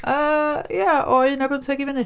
Yy ia o un ar bumtheg i fyny.